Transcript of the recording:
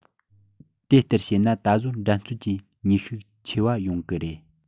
དེ ལྟར བྱས ན ད གཟོད འགྲན རྩོད ཀྱི ནུས ཤུགས ཆེ བ ཡོང གི རེད